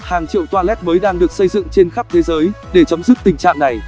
hàng triệu toilet mới đang được xây dựng trên khắp thế giới để chấm dứt tình trạng này